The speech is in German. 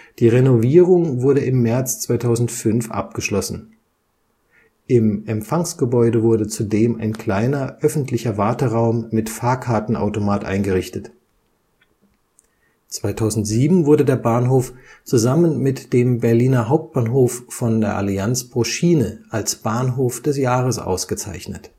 Die Renovierung wurde im März 2005 abgeschlossen. Im Empfangsgebäude wurde zudem ein kleiner öffentlicher Warteraum mit Fahrkartenautomat eingerichtet. 2007 wurde der Bahnhof zusammen mit dem Berliner Hauptbahnhof von Allianz pro Schiene als Bahnhof des Jahres ausgezeichnet